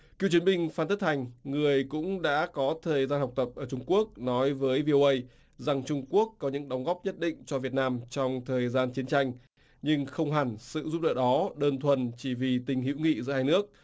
cựu chiến binh phan tất thành người cũng đã có thời gian học tập ở trung quốc nói với vi ô ây rằng trung quốc có những đóng góp nhất định cho việt nam trong thời gian chiến tranh nhưng không hẳn sự giúp đỡ đó đơn thuần chỉ vì tình hữu nghị giữa hai nước